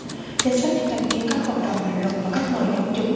danh sách những thành viên các hội đồng bình luận và khách mời nhân chứng